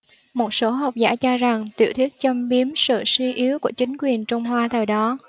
một số học giả cho rằng tiểu thuyết châm biếm sự suy yếu của chính quyền trung hoa thời đó